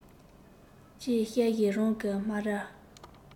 ཅེས བཤད བཞིན རང གི སྨ རར